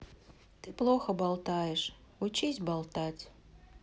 ты плохо болтаешь учись болтать